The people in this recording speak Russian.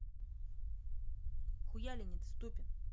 хуяли недоступен